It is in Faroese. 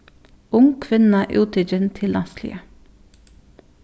ung kvinna úttikin til landsliðið